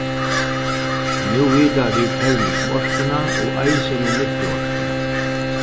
nú vita vit termisku orkuna og eisini nyttuorkuna